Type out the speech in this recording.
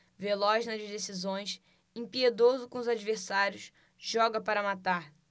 veloz nas decisões impiedoso com os adversários joga para matar